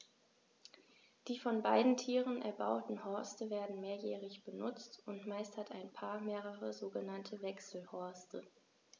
Die von beiden Tieren erbauten Horste werden mehrjährig benutzt, und meist hat ein Paar mehrere sogenannte Wechselhorste.